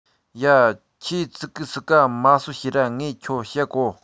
ཡ ཁྱོས ཙི གེ ཟིག ག མལ སྲོལ བྱོས ར ངས ཁྱོད འ བཤད གོ